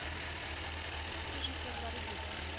Төп режиссерлары юк ди